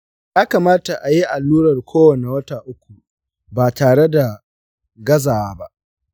ya kamata a yi allurar kowane wata uku ba tare da gazawa ba.